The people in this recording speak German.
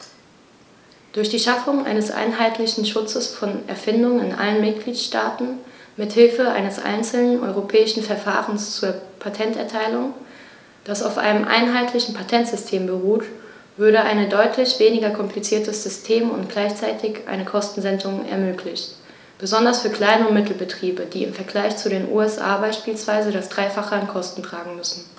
Durch die Schaffung eines einheitlichen Schutzes von Erfindungen in allen Mitgliedstaaten mit Hilfe eines einzelnen europäischen Verfahrens zur Patenterteilung, das auf einem einheitlichen Patentsystem beruht, würde ein deutlich weniger kompliziertes System und gleichzeitig eine Kostensenkung ermöglicht, besonders für Klein- und Mittelbetriebe, die im Vergleich zu den USA beispielsweise das dreifache an Kosten tragen müssen.